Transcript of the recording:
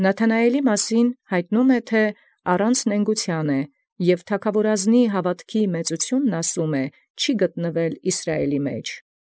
Քանզի զՆաթանայէլ առանց նենգութեան նշանակէ և զթագաւորազին զմեծութիւն հաւատոցն՝ անգիւտ յԻսրայէլի ասէ։